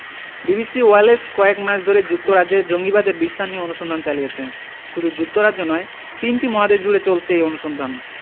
BBC Wales কয়েক মাস ধরে যুক্তরাজ্যে জঙ্গিবাদের বিস্তার নিয়ে অনুসন্ধান চালিয়েছে শুধু যুক্তরাজ্য নয় তিনটি মহাদেশজুড়ে চলেছে এই অনুসন্ধান